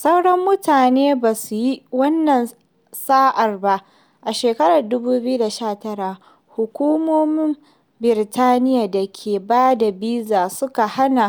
Sauran mutane ba su yi wannan sa'ar ba. A shekarar 2019, hukumomin Birtaniya da ke ba da biza suka hana